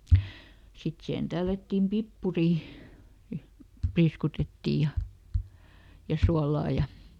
sitten siihen tällättiin pippuri priiskutettiin ja ja suolaa ja